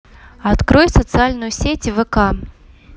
открой социальную сеть вк